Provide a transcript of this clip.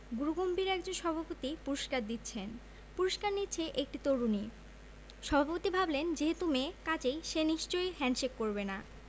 গুরুগম্ভীর একজন সভাপতি পুরস্কার দিচ্ছেন পুরস্কার নিচ্ছে একটি তরুণী সভাপতি ভাবলেন যেহেতু মেয়ে কাজেই সে নিশ্চয়ই হ্যাণ্ডশেক করবে না